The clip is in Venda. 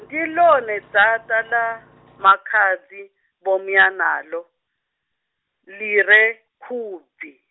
ndi ḽone Dzaṱa ḽa, makhadzi, Nyamuḽanalo, ḽi re, Khubvi.